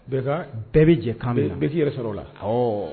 Bɛɛ bɛ jɛ kan bilisi yɛrɛ sɔrɔla o la